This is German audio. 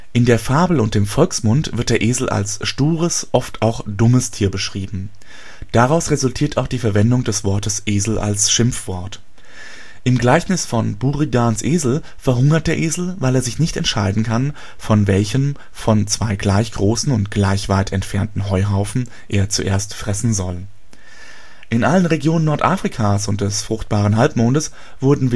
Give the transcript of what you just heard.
In der Fabel und im Volksmund wird der Esel als stures, oft auch dummes Tier beschrieben. Daraus resultiert auch die Verwendung des Wortes " Esel " als Schimpfwort. Im Gleichnis von Buridans Esel verhungert der Esel, weil er sich nicht entscheiden kann, von welchem von zwei gleich großen und gleich weit entfernten Heuhaufen er zuerst fressen soll. In allen Regionen Nordafrikas und des Fruchtbaren Halbmondes wurden